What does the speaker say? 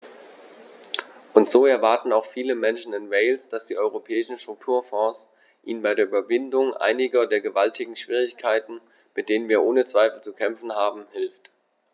Und so erwarten auch viele Menschen in Wales, dass die Europäischen Strukturfonds ihnen bei der Überwindung einiger der gewaltigen Schwierigkeiten, mit denen wir ohne Zweifel zu kämpfen haben, hilft.